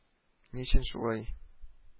Ни өчен шулай